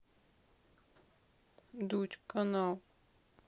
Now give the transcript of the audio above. дудь канал